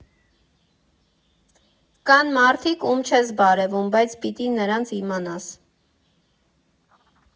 Կան մարդիկ, ում չես բարևում, բայց պիտի նրանց իմանաս։